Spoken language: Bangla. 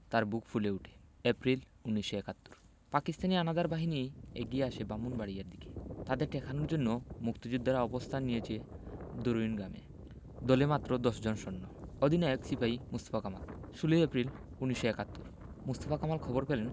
তাঁর বুক ফুলে ওঠে এপ্রিল ১৯৭১ পাকিস্তানি হানাদার বাহিনী এগিয়ে আসছে ব্রাহ্মনবাড়িয়ার দিকে তাদের ঠেকানোর জন্য মুক্তিযোদ্ধারা অবস্থান নিয়েছেন দরুইন গ্রামে দলে মাত্র দশজন সৈন্য অধিনায়ক সিপাহি মোহাম্মদ মোস্তফা কামাল ১৬ এপ্রিল ১৯৭১ মোস্তফা কামাল খবর পেলেন